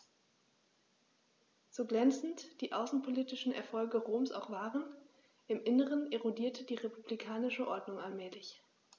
So glänzend die außenpolitischen Erfolge Roms auch waren: Im Inneren erodierte die republikanische Ordnung allmählich.